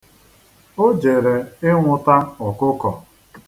O jere ịnwụta ọkụkọ.